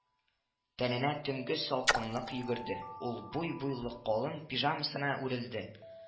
Тәненә төнге салкынлык йөгерде, ул буй-буйлы калын пижамасына үрелде